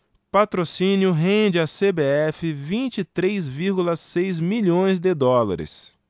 patrocínio rende à cbf vinte e três vírgula seis milhões de dólares